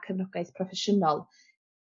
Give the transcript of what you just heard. cefnogaeth proffesiynol